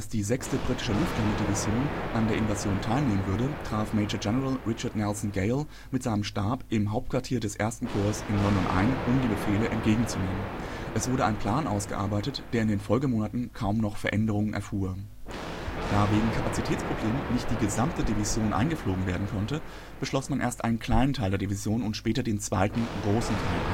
die 6. Britische Luftlandedivision an der Invasion teilnehmen würde, traf Major-General Richard Nelson Gale mit seinem Stab im Hauptquartier des I. Korps in London ein, um die Befehle entgegenzunehmen. Es wurde ein Plan ausgearbeitet, der in den Folgemonaten kaum noch Veränderungen erfuhr. Da wegen Kapazitätsproblemen nicht die gesamte Division eingeflogen werden konnte, beschloss man, erst einen kleinen Teil der Division und später den zweiten, großen Teil einzufliegen